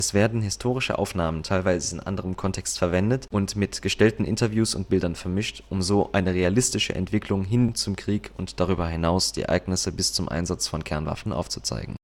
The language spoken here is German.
werden historische Aufnahmen teilweise in anderem Kontext verwendet und mit gestellten Interviews und Bildern vermischt, um so eine realistische Entwicklung hin zum Krieg und darüber hinaus die Ereignisse bis zum Einsatz von Kernwaffen aufzuzeigen